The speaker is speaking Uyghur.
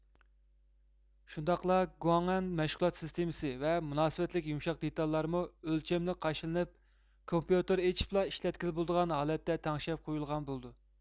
شۇنداقلا گۇاڭەن مەشخۇلات سېستىمىسى ۋە مۇناسىۋەتلىك يۇمشاق دىتاللارمۇ ئۆلچەملىك قاچىلىنىپ كومپيۇتېر ئېچېپلا ئىشلەتكىلى بۇلىدىغان ھالەتتە تەڭشەپ قۇيۇلغان بۇلىدۇ